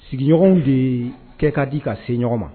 Sigiɲɔgɔnw de kɛ ka di ka se ɲɔgɔn ma